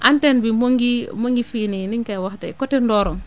antenne bi mu ngi mu ngi fii nii nuñ koy waxatee côté Ndorong